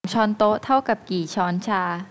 สองช้อนโต๊ะเท่ากับกี่ช้อนชา